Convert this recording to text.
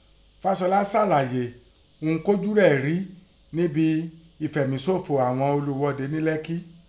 Faṣọlá ṣàlàyé ihun kójú rẹ̀ rí níbi ìfẹ̀míṣòfò àghọn ọlùghọde ní Lẹ́kí.